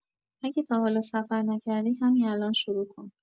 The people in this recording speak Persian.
اگه تاحالا سفر نکردی، همین الان شروع کن.